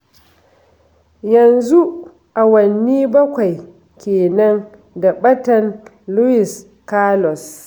Yanzu awanni bakwai kenan da ɓatan Luis Carlos.